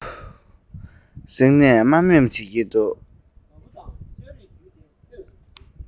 གཟེངས ནས དམའ འབེབས བྱེད ཀྱིན འདུག